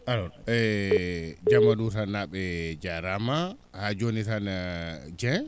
alors Jambanuura naaɓe jaaraama haa jooni tan Dieng